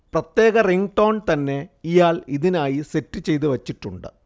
പ്രത്യേക റിങ്ങ്ടോൺ തന്നെ ഇയാൾ ഇതിനായി സെറ്റ്ചെയ്ത് വച്ചിട്ടുണ്ട്